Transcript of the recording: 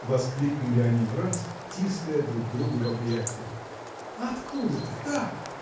– воскликнули они враз, тиская друг друга в объятиях. – Откуда ты, как?